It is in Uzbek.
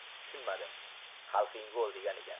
tushunmadim xalxingol deganiga